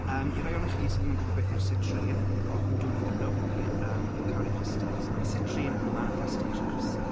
Yym i'r rai ohonnoch chi sy ddim yn gwybod beth yw Citrine or who don't even know me yym fi'n caru crystals ma' Citrine yn Manifestation Crystal.